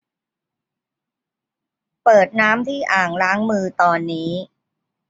เปิดน้ำที่อ่างล้างมือตอนนี้